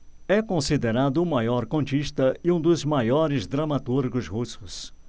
é considerado o maior contista e um dos maiores dramaturgos russos